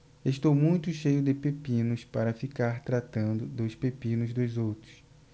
estou muito cheio de pepinos para ficar tratando dos pepinos dos outros